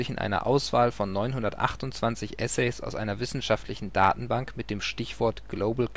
einer Auswahl von 928 Abstracts aus einer wissenschaftlichen Datenbank mit dem Stichwort " global